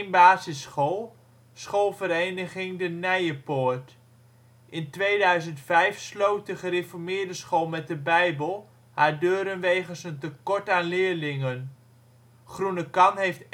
basisschool, Schoolvereniging de Nijepoort. In 2005 sloot de gereformeerde school met de Bijbel haar deuren wegens een tekort aan leerlingen. Groenekan heeft